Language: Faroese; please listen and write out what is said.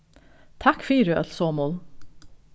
takk fyri øll somul